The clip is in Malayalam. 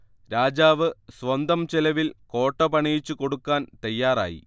രാജാവ് സ്വന്തം ചിലവിൽ കോട്ട പണിയിച്ചു കൊടുക്കാൻ തയ്യാറായി